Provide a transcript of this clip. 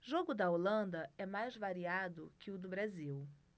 jogo da holanda é mais variado que o do brasil